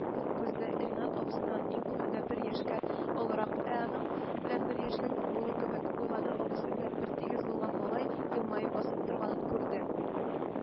Күк күзле, ренат абысыннан иң күбендә бер яшкә олорак, я аның белән бер яшлек ук булыр көбек, буйгада абыйсы белән бер тигез булган малай елмаеп басып торганын күрде